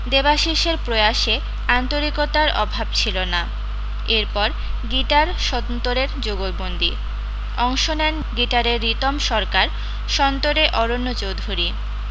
দেবাশিসের প্রয়াসে আন্তরিকতার অভাব ছিল না এর পর গিটার সন্তুরের যুগলবন্দি অংশ নেন গিটারে ঋতম সরকার সন্তুরে অরণ্য চোধুরী